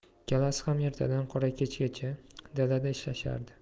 ikkalasi ham ertadan qora kechgacha dalada ishlashardi